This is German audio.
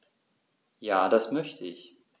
Ja, das möchte ich.